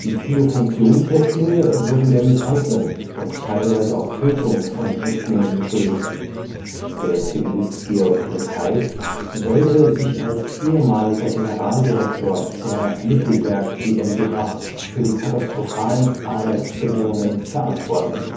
vier Funktionshäftlinge wurden der Misshandlung und teilweise auch Tötung von Häftlingen beschuldigt. Der Zivilist Georg Rickhey sollte sich als ehemaliger Generaldirektor der Mittelwerk GmbH für die katastrophalen Arbeitsbedingungen verantworten